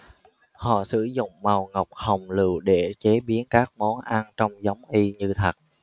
họ sử dụng màu ngọc hồng lựu để chế biến các món ăn trông giống y như thật